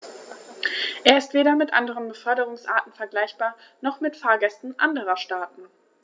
Er ist weder mit anderen Beförderungsarten vergleichbar, noch mit Fahrgästen anderer Staaten.